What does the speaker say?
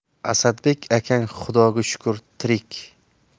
asadbek akang xudoga shukr tirik